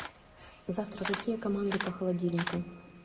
завтра какие команды по холодильнику